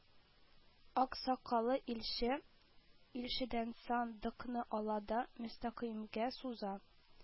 Ак сакаллы илче илчедән сандыкны ала да, Мөстәкыймгә суза